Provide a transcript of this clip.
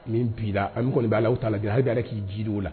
Ni bida a kɔni b'a la u t' la di hali b'a la k'i ji di o la